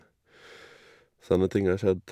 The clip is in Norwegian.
Sånne ting har skjedd...